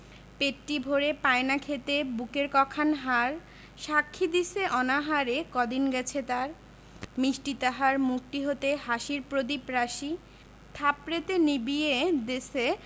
পেটটি ভরে পায় না খেতে বুকের ক খান হাড় সাক্ষী দিছে অনাহারে কদিন গেছে তার মিষ্টি তাহার মুখটি হতে হাসির প্রদীপ রাশি থাপড়েতে নিবিয়ে দেছে